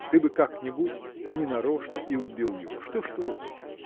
ты бы как-нибудь ненарочно и убил его – что ж толку?